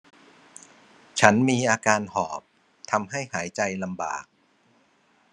ฉันมีอาการหอบทำให้หายใจลำบาก